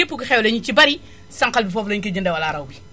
tay képp ku xewle ñu ci bari sànqal bi foofu la ñu koy jëndee wala araw bi